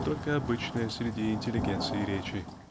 только обычные среди интеллигенции речи.